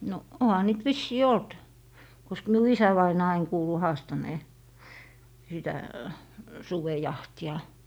no onhan niitä vissiin ollut koska minun isävainaa aina kuului haastaneen sitä sudenjahtia